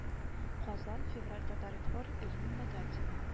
Казан февраль татар-информ римма гатина